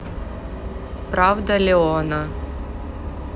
правда леона